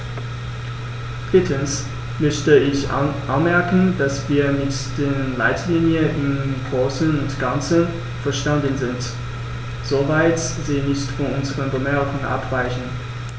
Drittens möchte ich anmerken, dass wir mit den Leitlinien im großen und ganzen einverstanden sind, soweit sie nicht von unseren Bemerkungen abweichen.